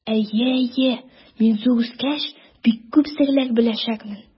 Әйе, әйе, мин, зур үскәч, бик күп серләр беләчәкмен.